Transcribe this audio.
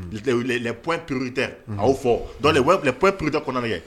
les points prioritaire unhun, a y'o fɔ, donc les points prioritaires kɔnna lajɛ,